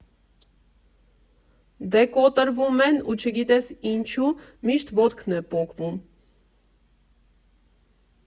«Դե կոտրվում են ու, չգիտես ինչու, միշտ ոտքն է պոկվում։